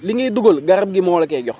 li ngay dugal garab gi moo la koy jox